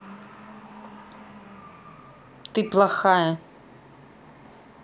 ты плохая